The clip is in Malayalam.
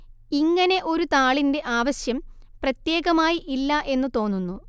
ഇങ്ങനെ ഒരു താളിന്റെ ആവശ്യം പ്രത്യേകമായി ഇല്ല എന്നു തോന്നുന്നു